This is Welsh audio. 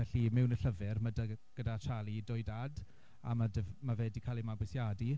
Felly mewn y llyfr, ma' 'da... gyda Charlie dwy dad a ma' d- ma' fe 'di cael ei mabwysiadu.